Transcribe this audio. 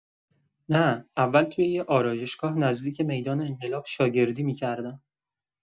نه، اول توی یه آرایشگاه نزدیک میدان انقلاب شاگردی می‌کردم.